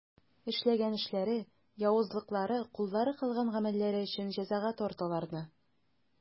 Эшләгән эшләре, явызлыклары, куллары кылган гамәлләре өчен җәзага тарт аларны.